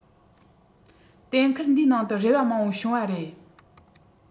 གཏན འཁེལ འདིའི ནང དུ རེ བ མང པོ བྱུང བ རེད